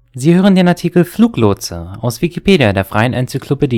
Sie hören den Artikel Fluglotse, aus Wikipedia, der freien Enzyklopädie